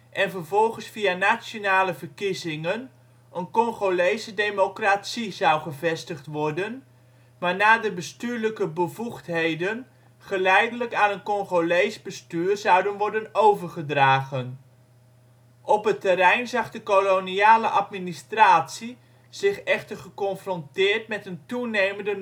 en vervolgens via nationale verkiezingen, een Congolese democratie zou gevestigd worden, waarna de bestuurlijke bevoegdheden geleidelijk aan een Congolees bestuur zouden worden overgedragen. Op het terrein zag de koloniale administratie zich echter geconfronteerd met een toenemende